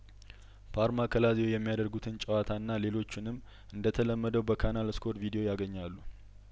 ፓርማ ከላዚዮ የሚያደርጉትን ጨዋታና ሌሎቹንም እንደተለመደው በካናል ሶከር ቪዲዮ ያገኛሉ